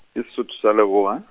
e Sotho sa Leboa.